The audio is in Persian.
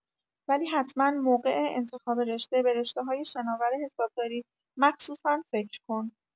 ولی حتما موقع انتخاب رشته به رشته‌های شناور حسابداری مخصوصا فکر کن